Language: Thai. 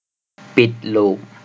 ปิดลูป